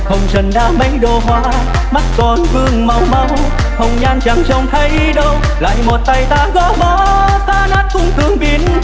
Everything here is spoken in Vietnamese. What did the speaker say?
hồng trần đã mấy độ hoa mắt còn vương màu máu hồng nhan chẳng chông thấy đâu lại một tay ta gõ mõ phá nát cương thường biến họa